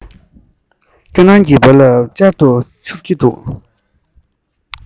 སྐྱོ སྣང གི རྦ རླབས ཅིག ཅར དུ འཕྱུར གྱི འདུག